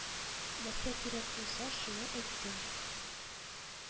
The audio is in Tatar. Нәрсә кирәк булса, шуны әйттем